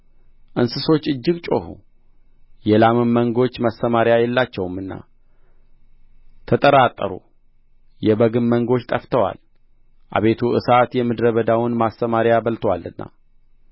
እንስሶች እጅግ ጮኹ የላምም መንጎች ማሰማርያ የላቸውምና ተጠራጠሩ የበግም መንጎች ጠፍተዋል አቤቱ እሳት የምድረ በዳውን ማሰማርያ በልቶአልና